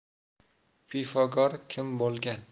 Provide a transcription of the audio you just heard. pifagor kim bo'lgan